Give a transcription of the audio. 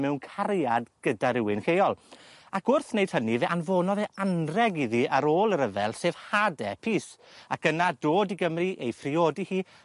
mewn cariad gyda rywun lleol. Ac wrth neud hynny fe anfonodd e anrheg iddi ar ôl y rhyfel sef hade pys ac yna dod i Gymru ei phriodi hi